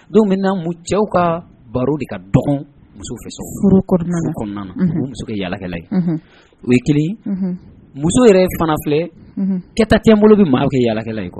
Don bɛna mun cɛw ka baro de ka dɔgɔn muso furu kɔnɔna muso yaakɛla ye o ye kelen muso yɛrɛ fana filɛ kɛta tɛ bolo bɛ maa kɛ yaakɛlala ye kuwa